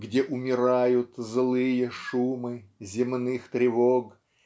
Где умирают злые шумы Земных тревог